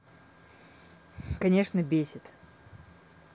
конечно бесит